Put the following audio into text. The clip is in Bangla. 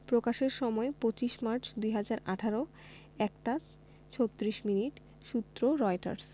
প্রকাশের সময় ২৫মার্চ ২০১৮ ১ টা ৩৬ মিনিট সূত্রঃ রয়টার্স